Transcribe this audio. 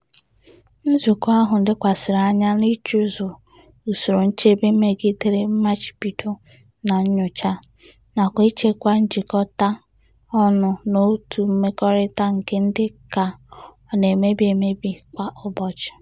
Nzukọ ahụ lekwasịrị anya n'ịchụso usoro nchebe megidere mmachibido na nnyocha, nakwa ichekwa njikọta ọnụ n'òtù mmekọrịta nke dị ka ọ na-emebi emebi kwa ụbọchị.